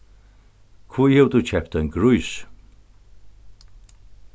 hví hevur tú keypt ein grís